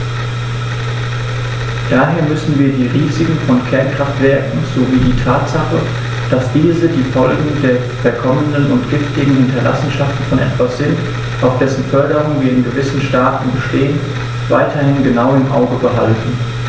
Daher müssen wir die Risiken von Kernkraftwerken sowie die Tatsache, dass diese die Folgen der verkommenen und giftigen Hinterlassenschaften von etwas sind, auf dessen Förderung wir in gewissen Staaten bestehen, weiterhin genau im Auge behalten.